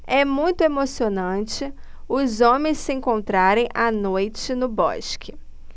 é muito emocionante os homens se encontrarem à noite no bosque